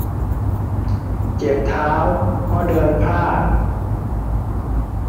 เจ็บเท้าเพราะเดินพลาด